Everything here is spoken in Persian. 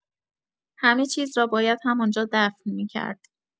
همه‌چیز را باید همان‌جا دفن می‌کرد.